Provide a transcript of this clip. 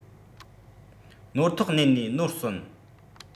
ནོར ཐོག བསྣན ནས ནོར ཟིན